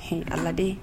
H alade